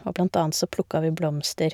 Og blant annet så plukka vi blomster.